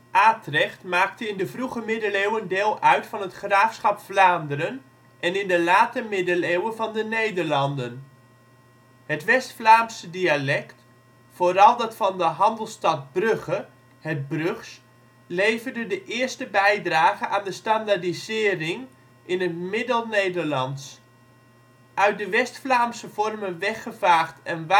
Atrecht (Arras) maakte in de Vroege Middeleeuwen deel uit van het graafschap Vlaanderen en in de Late Middeleeuwen van De Nederlanden. Het West-Vlaamse dialect, vooral dat van de handelsstad Brugge (het Brugs), leverde de eerste bijdrage aan de standaardisering in het Middelnederlands: uit de West-Vlaamse vormen weggevaagd en waagschaal